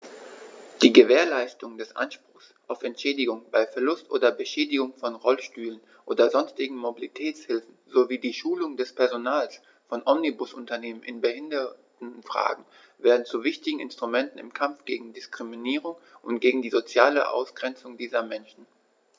Die Gewährleistung des Anspruchs auf Entschädigung bei Verlust oder Beschädigung von Rollstühlen oder sonstigen Mobilitätshilfen sowie die Schulung des Personals von Omnibusunternehmen in Behindertenfragen werden zu wichtigen Instrumenten im Kampf gegen Diskriminierung und gegen die soziale Ausgrenzung dieser Menschen.